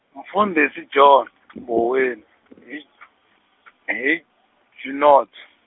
mufundhisi John , Mboweni, hi d-, hi Junod.